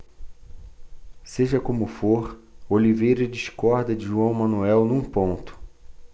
seja como for oliveira discorda de joão manuel num ponto